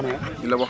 baax na